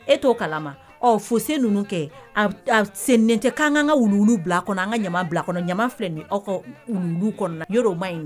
E t'o kalama ɔɔ fosse ninnu kɛɛ ab a senninen tɛ k'an ŋa an ŋa wulu wuluw bil'a kɔnɔ an ŋa ɲaman bil'a kɔnɔ ɲaman filɛ nin ye aw ka u wulu wuluw kɔɔna yoro o maɲin